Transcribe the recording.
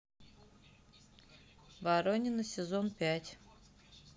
воронины сезон пять